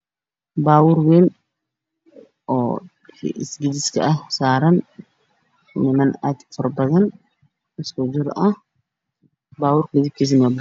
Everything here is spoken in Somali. Baabuur wayn oo iskeys ah saaran niman aad ufara badan isku jir ah baaburka midabkiisana waa buluug